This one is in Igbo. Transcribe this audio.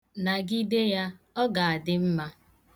Nagịde ya. Ọ ga-adị mma.